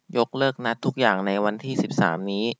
ยกเลิกนัดทุกอย่างในวันที่สิบสามนี้